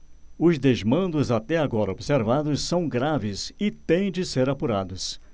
os desmandos até agora observados são graves e têm de ser apurados